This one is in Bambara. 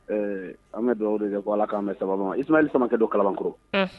An bɛ dugawu de kɛ ko ala' an bɛ saba ili samakɛ don kalamankɔrɔ